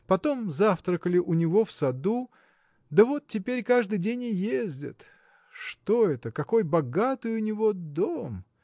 Потом завтракали у него в саду, да вот теперь каждый день и ездят. Что это, какой богатый у него дом!